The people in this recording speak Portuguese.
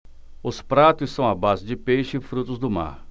os pratos são à base de peixe e frutos do mar